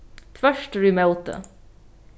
tvørturímóti